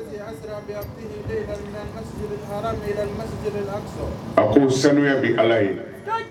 Sanu bɛ ala ye